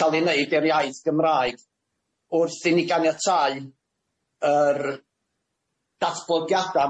ca'l i neud i'r iaith Gymraeg wrth i ni ganiatáu yr datblogiada,